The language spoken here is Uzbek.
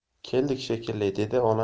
keldik shekilli dedi